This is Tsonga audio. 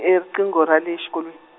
riqingho ra le xikolweni.